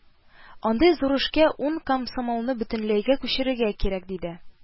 Андый зур эшкә ун комсомолны бөтенләйгә күчерергә кирәк, диде